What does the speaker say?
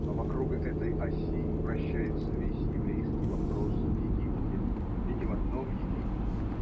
а вокруг этой оси вращается весь еврейский вопрос в Египте. И не в одном Египте.